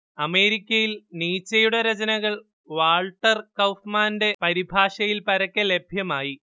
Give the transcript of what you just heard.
അമേരിക്കയിൽ നീച്ചയുടെ രചനകൾ വാൾട്ടർ കൗഫ്മാന്റെ പരിഭാഷയിൽ പരക്കെ ലഭ്യമായി